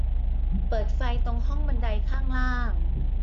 เปิดไฟตรงห้องบันไดข้างล่าง